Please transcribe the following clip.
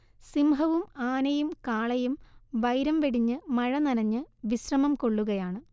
സിംഹവും ആനയും കാളയും വൈരം വെടിഞ്ഞ് മഴനനഞ്ഞ് വിശ്രമം കൊള്ളുകയാണ്